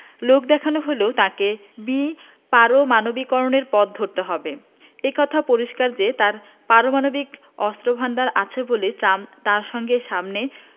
লোকদেখানো হলেও তাঁকে বিপারমাণবিকীকরণের পথ ধরতে হবে এ কথা পরিষ্কার যে তাঁর পারমাণবিক অস্ত্রভান্ডার আছে বলেই ট্রাম্প তাঁর সঙ্গে সামনে